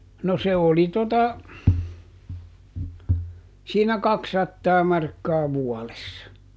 no se oli tuota siinä kaksisataa markkaa vuodessa